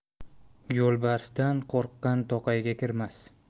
yoibarsdan qo'rqqan to'qayga kirmas